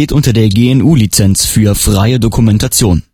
unter der GNU Lizenz für freie Dokumentation